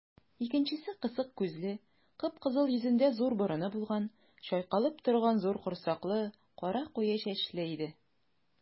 Икенчесе кысык күзле, кып-кызыл йөзендә зур борыны булган, чайкалып торган зур корсаклы, кара куе чәчле иде.